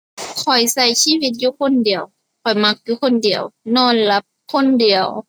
ข้อยใช้ชีวิตอยู่คนเดียว ข้อยมักอยู่คนเดียว นอนหลับคนเดียว